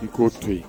I ko to yen